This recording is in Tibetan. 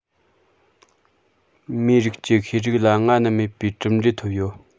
མིའི རིགས ཀྱི ཤེས རིག ལ སྔ ན མེད པའི གྲུབ འབྲས ཐོབ ཡོད